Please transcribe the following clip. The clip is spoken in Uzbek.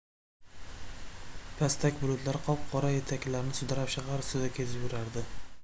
pastak bulutlar qop qora etaklarini sudrab shahar ustida kezib yurardi